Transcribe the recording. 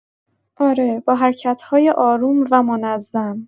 آره، با حرکت‌های آروم و منظم.